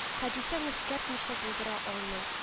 Хәдичә нечкәртмичә булдыра алмый: